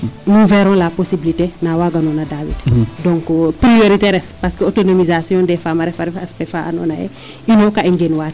Nous verrons la possiblité na waaganoona daawit donc priorité ref parce que autonomisation des femme a refa aspect fa andoona yee ino ka i ngeenwa teen.